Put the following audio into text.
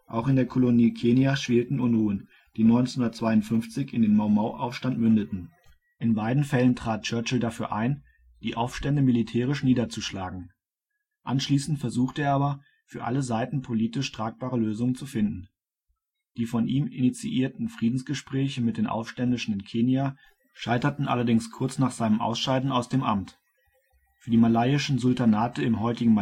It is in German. Auch in der Kolonie Kenia schwelten Unruhen, die 1952 in den Mau-Mau-Aufstand mündeten. In beiden Fällen trat Churchill dafür ein, die Aufstände militärisch niederzuschlagen. Anschließend versuchte er aber, für alle Seiten politisch tragbare Lösungen zu finden. Die von ihm initiierten Friedensgespräche mit den Aufständischen in Kenia scheiterten allerdings kurz nach seinem Ausscheiden aus dem Amt. Für die malayischen Sultanate im heutigen